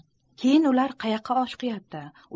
keyin ular qayoqqa oshiqayapti